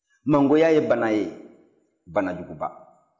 mangoya ye bana ye bana juguba